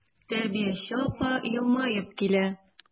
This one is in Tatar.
Тәрбияче апа елмаеп килә.